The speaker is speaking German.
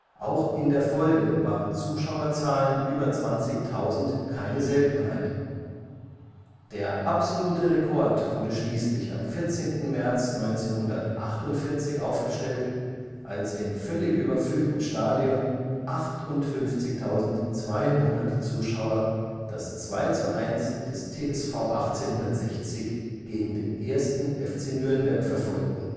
Auch in der Folge waren Zuschauerzahlen über 20.000 keine Seltenheit. Der absolute Rekord wurde schließlich am 14. März 1948 aufgestellt, als im völlig überfüllten Stadion 58.200 Zuschauer das 2:1 des TSV 1860 gegen den 1. FC Nürnberg verfolgten